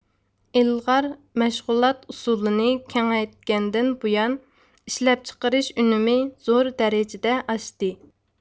ئىلغار مەشغۇلات ئۇسۇلىنى كېڭيتكەندىن بۇيان ئىشلەپچىقىرىش ئۈنۈمى زور دەرىجىدە ئاشتى